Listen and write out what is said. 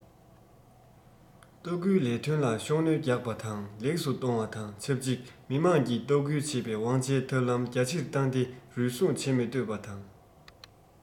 ལྟ སྐུལ ལས དོན ལ ཤུགས སྣོན རྒྱག པ དང ལེགས སུ གཏོང བ དང ཆབས ཅིག མི དམངས ཀྱིས ལྟ སྐུལ བྱེད པའི དབང ཆའི ཐབས ལམ རྒྱ ཆེར བཏང སྟེ རུལ སུངས བྱེད མི འདོད པ དང